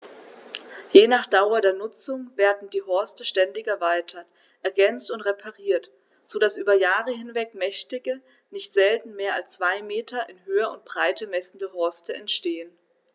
Je nach Dauer der Nutzung werden die Horste ständig erweitert, ergänzt und repariert, so dass über Jahre hinweg mächtige, nicht selten mehr als zwei Meter in Höhe und Breite messende Horste entstehen.